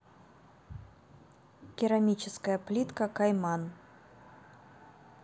керамическая плитка кайман